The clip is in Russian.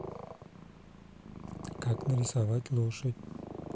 как нарисовать лошадь